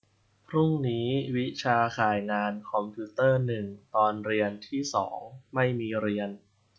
พรุ่งนี้วิชาข่ายงานคอมพิวเตอร์หนึ่งตอนเรียนที่สองไม่มีเรียน